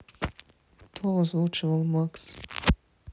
кто озвучивал макс